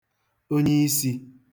onyiisī